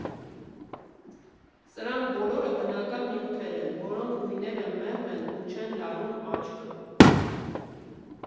«Սրանք բոլորը բնական նյութեր են, որոնց գույները մեղմ են ու չեն լարում աչքը։